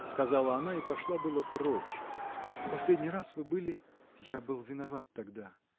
– сказала она и пошла было прочь, – в последний раз вы были. – Я был виноват тогда.